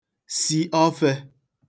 si ọfẹ̄